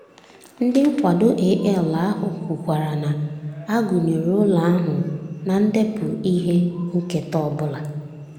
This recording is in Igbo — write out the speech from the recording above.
Ndị nkwado AL ahụ kwukwara na a gụnyeghị ụlọ ahụ na ndepụta ihe nketa ọ bụla.